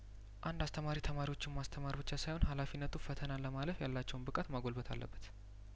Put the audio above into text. አንድ አስተማሪ ተማሪዎቹን ማስተማር ብቻ ሳይሆን ሀላፊነቱ ፈተናን ለማለፍ ያላቸውን ብቃት ማጐልበት አለበት